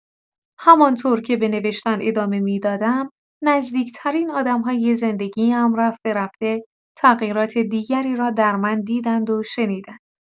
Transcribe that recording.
همان‌طور که به نوشتن ادامه می‌دادم، نزدیک‌ترین آدم‌های زندگی‌ام رفته‌رفته تغییرات دیگری را در من دیدند و شنیدند.